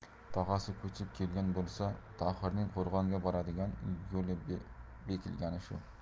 tog'asi ko'chib kelgan bo'lsa tohirning qo'rg'onga boradigan yo'li bekilgani shu